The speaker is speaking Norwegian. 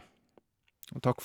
Og takk f...